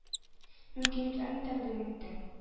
Мөмкинлекләрне тәкъдим итте.